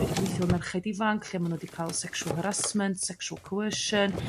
dwi 'di gw'ithio merched ifanc lle ma' nhw 'di ca'l sexual harrasment sexual coersion